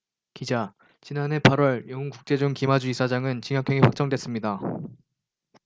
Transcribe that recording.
기자 지난해 팔 월 영훈국제중 김하주 이사장은 징역형이 확정됐습니다